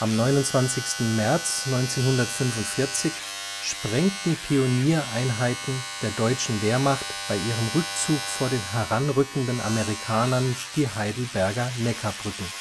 29. März 1945 sprengten Pioniereinheiten der deutschen Wehrmacht bei ihrem Rückzug vor den heranrückenden Amerikanern die Heidelberger Neckarbrücken